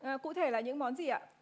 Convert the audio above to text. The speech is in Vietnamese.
à cụ thể là những món gì ạ